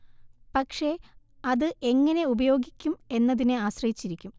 പക്ഷെ അത് എങ്ങനെ ഉപയോഗിക്കും എന്നതിനെ ആശ്രയ്ചിരിക്കും